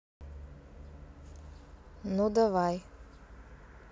ну давай